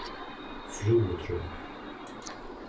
frúutrøð